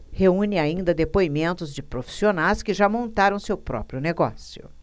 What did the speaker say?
reúne ainda depoimentos de profissionais que já montaram seu próprio negócio